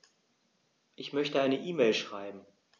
Ich möchte eine E-Mail schreiben.